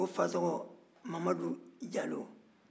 o fa tɔgɔ mamadu jalo